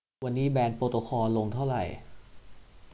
วันนี้แบรนด์โปรโตคอลลงเท่าไหร่